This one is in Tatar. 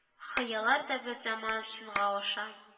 Хыяллар да берзаман чынга аша